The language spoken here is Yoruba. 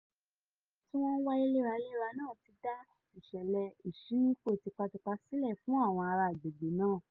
Àwọn ọ̀ràn tí wọ́n ń wáyé léraléra náà ti dá ìṣẹ̀lẹ̀ ìṣínípò tipátipá sílẹ̀ fún àwọn ará agbègbè náà.